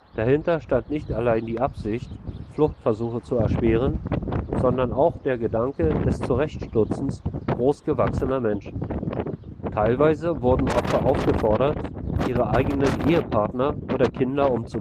Dahinter stand nicht allein die Absicht, Fluchtversuche zu erschweren, sondern auch der Gedanke des „ Zurechtstutzens “groß gewachsener Menschen. Teilweise wurden Opfer aufgefordert, ihre eigenen Ehepartner oder Kinder umzubringen